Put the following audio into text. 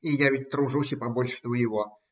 – И я ведь тружусь, и побольше твоего.